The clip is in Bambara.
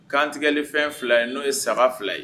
Kantigɛli fɛn fila ye n'o ye saba fila ye